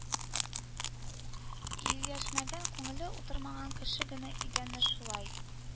Ияләшмәгән, күңеле утырмаган кеше генә идәнне шулай